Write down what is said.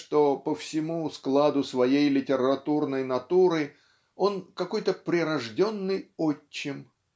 что по всему складу своей литературной натуры он -- какой-то прирожденный отчим.